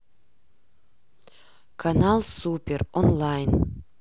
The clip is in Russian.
канал супер онлайн